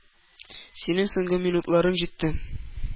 — синең соңгы минутларың җитте.